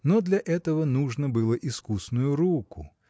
Но для этого нужно было искусную руку